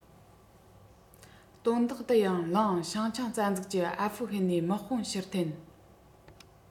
དོན དག འདི ཡང གླེང བྱང ཆིངས རྩ འཛུགས ཀྱིས ཨ ཧྥུ ཧན ནས དམག དཔུང ཕྱིར འཐེན